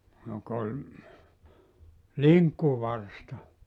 joka oli linkkuvarsta